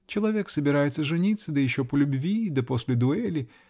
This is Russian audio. -- Человек собирается жениться, да еще по любви, да после дуэли.